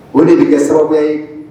O de be kɛ sababuya ye